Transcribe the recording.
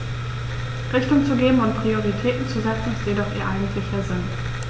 Richtung zu geben und Prioritäten zu setzen, ist jedoch ihr eigentlicher Sinn.